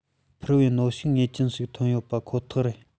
འཕར བའི གནོན ཤུགས ངེས ཅན ཞིག ཐོན ཡོད པ ཁོ ཐག རེད